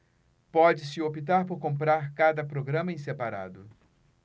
pode-se optar por comprar cada programa em separado